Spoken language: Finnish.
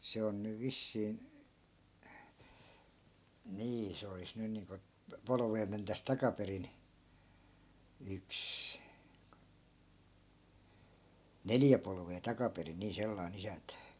se on nyt vissiin niin se olisi nyt niin kuin polvea mentäisiin takaperin yksi neljä polvea takaperin niin sellainen isäntä